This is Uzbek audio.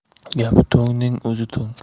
gapi to'ngning o'zi to'ng